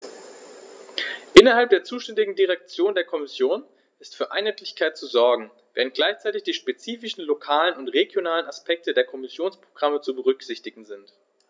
Innerhalb der zuständigen Direktion der Kommission ist für Einheitlichkeit zu sorgen, während gleichzeitig die spezifischen lokalen und regionalen Aspekte der Kommissionsprogramme zu berücksichtigen sind.